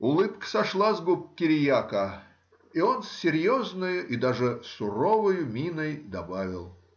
Улыбка сошла с губ Кириака, и он с серьезною и даже суровою миной добавил